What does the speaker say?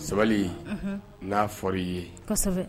Sabali n'a fɔra i ye